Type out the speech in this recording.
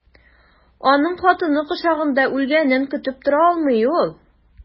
Аның хатыны кочагында үлгәнен көтеп тора алмый ул.